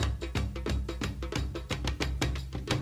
Sanunɛ